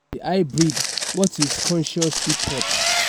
The High Breed: What is conscious hip hop?